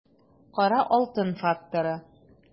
Кара алтын факторы